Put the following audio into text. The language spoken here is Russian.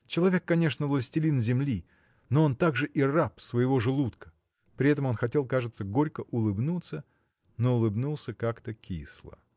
Человек, конечно, властелин земли, но он также и раб своего желудка. При этом он хотел кажется горько улыбнуться но улыбнулся как-то кисло.